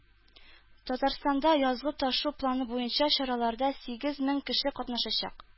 Татарстанда "Язгы ташу" планы буенча чараларда сигез мең кеше катнашачак